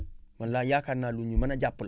man daal yaakaar naa lu ñu mën a jàpp la